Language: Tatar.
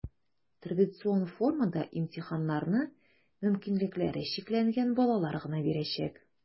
Традицион формада имтиханнарны мөмкинлекләре чикләнгән балалар гына бирәчәк.